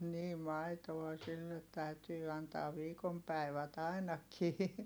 niin maitoa sille täytyy antaa viikon päivät ainakin